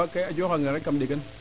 waaga koay a ƴoxa nge rek kam ndegan